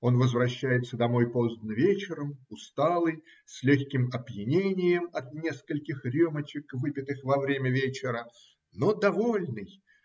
Он возвращается домой поздно вечером, усталый, с легким опьянением от нескольких рюмочек, выпитых во время вечера, но довольный.